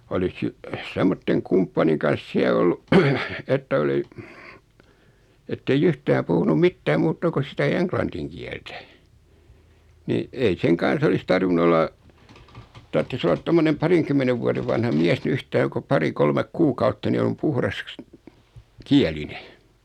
olisi - semmoisen kumppanin kanssa siellä ollut että oli että ei yhtään puhunut mitään muuta kuin sitä englannin kieltä niin ei sen kanssa olisi tarvinnut olla tarvitsisi olla tuommoinen parinkymmenen vuoden vanha mies niin yhtaikaa kun pari kolme kuukautta niin on puhdas kielinen